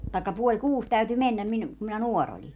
tai puoli kuusi täytyi mennä minun kun minä nuori olin